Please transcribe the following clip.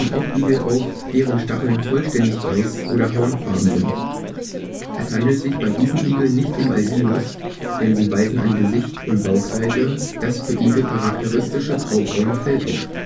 auch Igel auf, deren Stacheln vollständig weiß oder hornfarben sind. Es handelt sich bei diesen Igeln nicht um Albinos, denn sie weisen an Gesicht und Bauchseite das für Igel charakteristische graubraune Fell auf